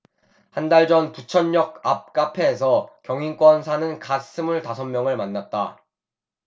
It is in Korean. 한 달 전 부천역 앞 카페에서 경인권에 사는 갓 스물 다섯 명을 만났다